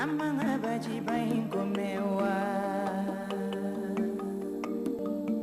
Anmubajiba in kun bɛ wa